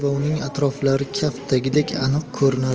va uning atroflari kaftdagidek aniq ko'rinar edi